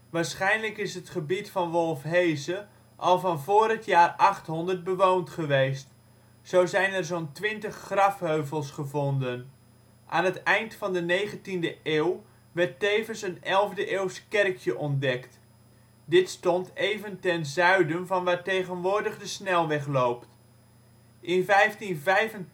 Waarschijnlijk is het gebied van Wolfheze al van voor het jaar 800 bewoond geweest. Zo zijn er zo 'n twintig grafheuvels gevonden. Aan het eind van de 19e eeuw werd tevens een elfde-eeuws kerkje ontdekt. Dit stond even ten zuiden van waar tegenwoordig de snelweg loopt. In 1585